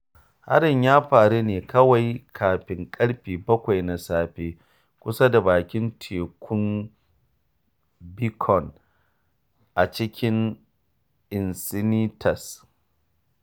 Harin ya faru ne kawai kafin ƙarfe 7 na safe kusa da Bakin Tekun Beacon a cikin Encinitas.